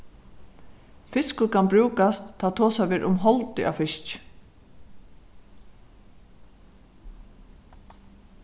fiskur kann brúkast tá tosað verður um holdið á fiski